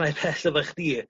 cnau pell odda chdi